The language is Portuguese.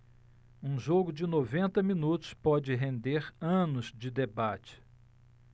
um jogo de noventa minutos pode render anos de debate